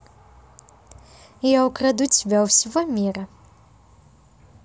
я украду тебя у всего мира